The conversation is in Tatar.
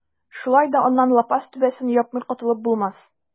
Шулай да аннан лапас түбәсен япмый котылып булмас.